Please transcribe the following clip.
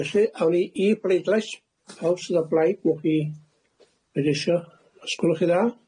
Felly awn ni i bleidlais, pawb sydd o blaid newch chi bleudleisio os gwelwch chi dda.